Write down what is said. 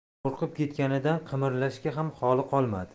qo'rqib ketganidan qimirlashga ham holi qolmadi